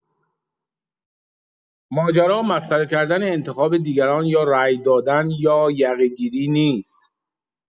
ماجرا مسخره کردن انتخاب دیگران یا رای دادن یا یقه‌گیری نیست.